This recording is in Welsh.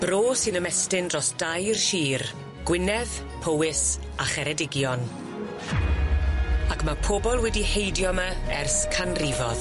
Bro sy'n ymestyn dros dair shir, Gwynedd, Powys, a Cheredigion, ac my' pobol wedi heidio 'my ers canrifodd.